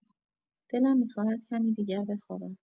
دلم می‌خواهد کمی دیگر بخوابم.